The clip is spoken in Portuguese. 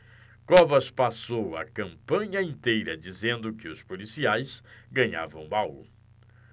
covas passou a campanha inteira dizendo que os policiais ganhavam mal